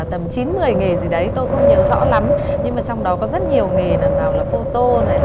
tầm chín mười nghề gì đấy tôi không nhớ rõ lắm nhưng mà trong đó có rất nhiều nghề lần nào là phô tô này